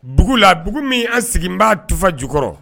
Bugu la dugu min a sigi b'a tu jukɔrɔ